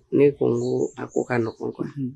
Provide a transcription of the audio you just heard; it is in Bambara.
Ne ko n ko a ko kaɔgɔn kɔnɔ